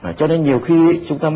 cho nên nhiều khi chúng ta